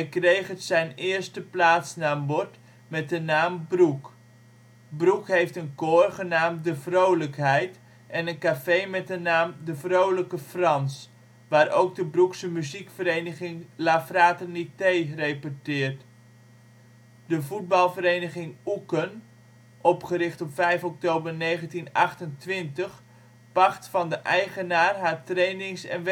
kreeg het zijn eerste plaatsnaambord met de naam Broek. Broek heeft een koor genaamd " De Vroolijkheid ", en een café met de naam " De Vroolijke Frans ", waar ook de Broekse muziekvereniging " La Fraternité " repeteert. De voetbalvereniging Oeken (opgericht 5 oktober 1928) pacht van de eigenaar haar trainings - en